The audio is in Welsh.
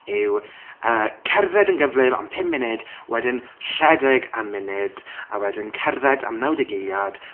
yw yy, cerdded yn gyflym am pum munud, wedyn rhedeg am munud, a wedyn cerdded am nawdeg eiliad...